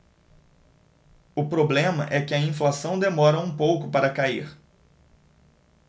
o problema é que a inflação demora um pouco para cair